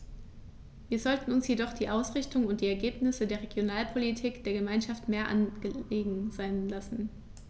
Wir sollten uns jedoch die Ausrichtung und die Ergebnisse der Regionalpolitik der Gemeinschaft mehr angelegen sein lassen.